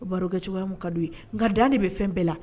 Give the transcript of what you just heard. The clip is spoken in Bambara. U baro kɛ cogoya kadi gari de bɛ fɛn bɛɛ la